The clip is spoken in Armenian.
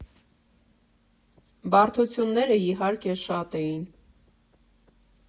Բարդությունները, իհարկե, շատ էին։